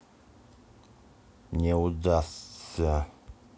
не удастся